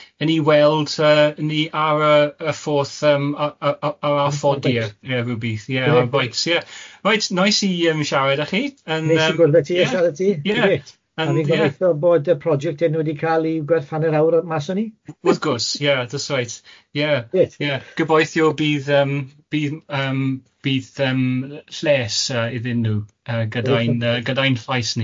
i ni weld yy ni ar y y ffordd yym a- a- a- a- a- a- ffodi'r ie rywbeth ie reit ie reit neis i yym siarad â chi yn yym... Neis i gwrdd â ti a siarad â ti ie reit a ni'n gobeithio bod y project hyn wedi cael ei gwerth hanner awr mas o'n ni... Wrth gwrs ie that's reit ie reit ie gobeithio bydd yym bydd yym bydd yym lles yy iddyn nhw yy gyda'n yy gyda'n llais ni.